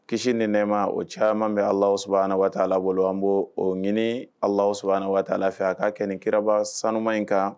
Kisi ni nɛ ma o caman bɛ asa ni waa la bolo an' o ɲini a la s waa lafi fɛ a ka kɛ nin kiraraba sanuuma in kan